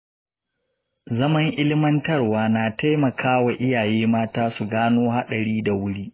zaman ilimantarwa na taimaka wa iyaye mata su gano haɗari da wuri.